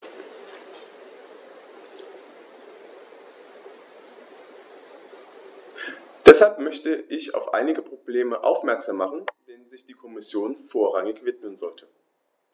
Deshalb möchte ich auf einige Probleme aufmerksam machen, denen sich die Kommission vorrangig widmen sollte.